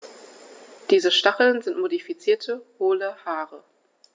Diese Stacheln sind modifizierte, hohle Haare.